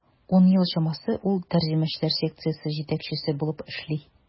Ун ел чамасы ул тәрҗемәчеләр секциясе җитәкчесе булып эшли.